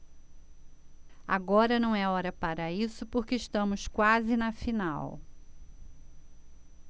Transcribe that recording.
agora não é hora para isso porque estamos quase na final